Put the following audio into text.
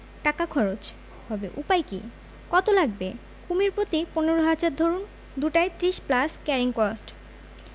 টাকা খরচ হবে উপায় কি কত লাগবে কুমীর প্রতি পনেরো হাজার ধরুন দুটায় ত্রিশ প্লাস ক্যারিং কস্ট